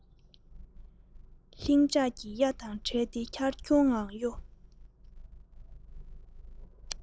ལྷིང འཇགས ཀྱི གཡའ དང བྲལ ཏེ འཁྱར འཁྱོར ངང གཡོ